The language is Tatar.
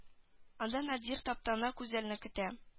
Анда надир таптана гүзәлне көтә